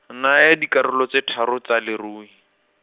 naya dikarolo tse tharo tsa lerui.